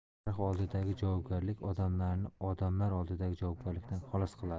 tarix oldidagi javobgarlik odamlarni odamlar oldidagi javobgarlikdan xalos qiladi